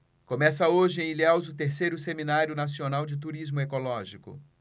começa hoje em ilhéus o terceiro seminário nacional de turismo ecológico